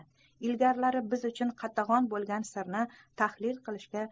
ilgarilari biz uchun qatag'on bo'lgan sirni tahlil qilishga